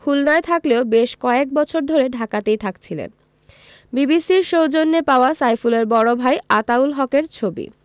খুলনায় থাকলেও বেশ কয়েক বছর ধরে ঢাকাতেই থাকছিলেন বিবিসির সৌজন্যে পাওয়া সাইফুলের বড় ভাই আতাউল হকের ছবি